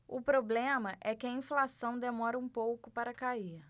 o problema é que a inflação demora um pouco para cair